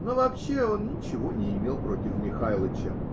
Но вообще он ничего не имел против "Михайлыча".